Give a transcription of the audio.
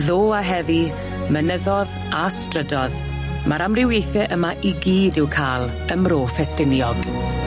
Ddo a heddi mynyddo'dd a strydodd, ma'r amrywiaethe yma i gyd i'w ca'l ym Mro Ffestiniog.